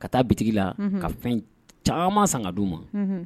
Ka taa bitiki la ka fɛn caaman san ka di u ma, unhun.